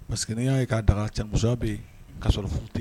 Parc que n'i y'a ye k ka'a daka cɛ ni musoya bɛ yen k'a sɔrɔ furu tɛ